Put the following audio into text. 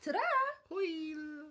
Ta-ra! Hwyl!